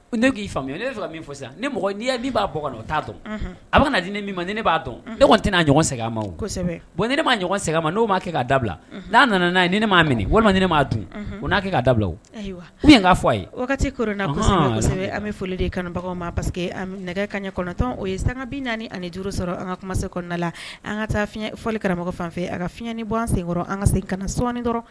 Ne k'i faamuya ye ne min fɔ yan ne mɔgɔ' b'a bɔ t'a dɔn a di min ma ni ne b'a dɔn tɛ tɛna' ɲɔgɔn segin a masɛbɛ ne m maa ɲɔgɔn segin ma n' b ma kɛ k'a dabila n'a nana n'a ne m' minɛ walima ne m'a dun u n'a kɛ kaa dabila ayiwa min na fɔ a ye wagati an bɛ foli de kanbagaw ma parce que an nɛgɛ ka ɲɛ kɔnɔntɔn o ye sangabi naani ani duuru sɔrɔ an ka se kɔnɔna la an ka taa fɔli karamɔgɔmɔgɔ fan fɛ a ka fiɲɛɲɛnani bɔ an senkɔrɔ an ka kana sɔɔni dɔrɔn